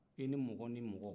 e ni mɔgɔ ni mɔgɔ